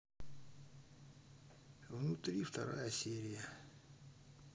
внутри вторая серия